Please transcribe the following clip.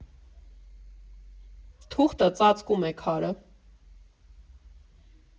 Թուղթը ծածկում է քարը։